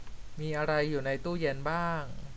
มีอะไรอยู่ในตู้เย็นบ้าง